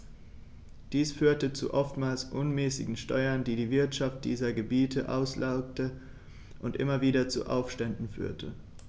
Dies führte zu oftmals unmäßigen Steuern, die die Wirtschaft dieser Gebiete auslaugte und immer wieder zu Aufständen führte.